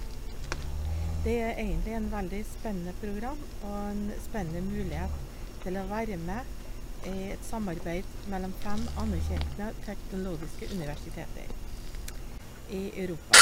Det er egentlig en veldig spennende program og en spennende mulighet til å være med i et samarbeid mellom fem anerkjente teknologiske universiteter i Europa.